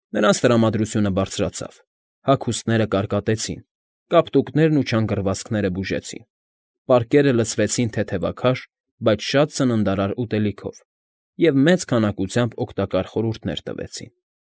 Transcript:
Նրանց տրամադրությունը բարձրացավ, հագուստները կարկատեցին, կապտուկները ու չանգռվածքները բուժեցին, պարկերը լցրեցին թեթևաքաշ, բայց շատ սննդարար ուտելիքով և մեծ քանակությամբ օգտակար խորհուրդներ տվեցին։